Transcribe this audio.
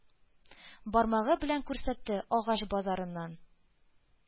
Бармагы белән күрсәтте,- агач базарыннан